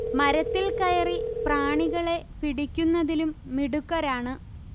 മരത്തിൽ കയറി പ്രാണികളെ പിടിയ്ക്കുന്നതിലും മിടുക്കരാണ്